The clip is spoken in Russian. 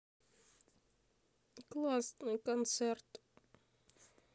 классный концерт